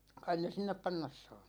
kai ne sinne panna saa